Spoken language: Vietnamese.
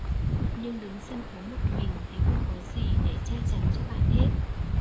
nhưng đứng sân khấu một mình thì không có gì để che chắn cho bạn hết